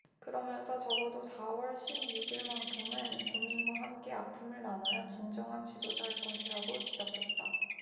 그러면서 적어도 사 월 십 육 일만큼은 국민과 함께 아픔을 나눠야 진정한 지도자일 것이라고 지적했다